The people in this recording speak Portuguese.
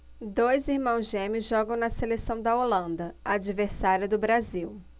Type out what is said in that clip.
dois irmãos gêmeos jogam na seleção da holanda adversária do brasil